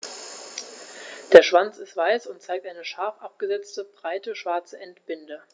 Der Schwanz ist weiß und zeigt eine scharf abgesetzte, breite schwarze Endbinde.